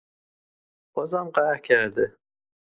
بازم قهر کرده.